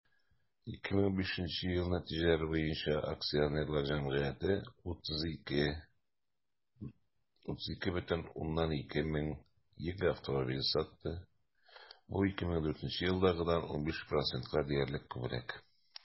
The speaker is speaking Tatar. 2005 ел нәтиҗәләре буенча акционерлар җәмгыяте 32,2 мең йөк автомобиле сатты, бу 2004 елдагыдан 15 %-ка диярлек күбрәк.